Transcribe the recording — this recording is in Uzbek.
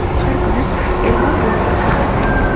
har kuni ermon buvanikiga qatnaydi